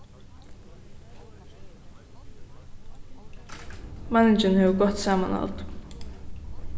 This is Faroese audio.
manningin hevur gott samanhald